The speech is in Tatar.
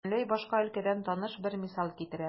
Бөтенләй башка өлкәдән таныш бер мисал китерәм.